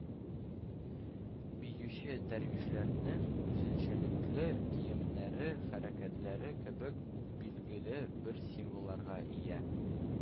Биюче дәрвишләрнең үзенчәлекле киемнәре хәрәкәтләре кебек үк билгеле бер символларга ия